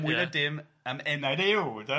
...a mwy na dim am enaid yw, de!